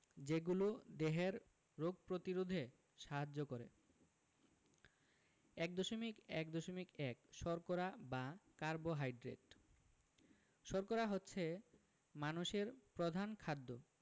যেগুলো দেহের রোগ প্রতিরোধে সাহায্য করে ১.১.১ শর্করা বা কার্বোহাইড্রেট শর্করা হচ্ছে মানুষের প্রধান খাদ্য